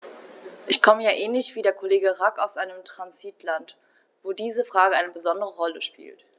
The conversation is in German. Ich komme ja ähnlich wie der Kollege Rack aus einem Transitland, wo diese Frage eine besondere Rolle spielt.